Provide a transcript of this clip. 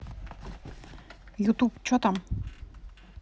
ютуб че там